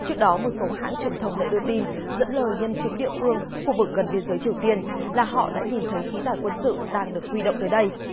trước đó một số hãng truyền thông đã đưa tin dẫn lời nhân chứng địa phương khu vực gần biên giới triều tiên là họ đã nhìn thấy khí tải quân sự đang được huy động tới đây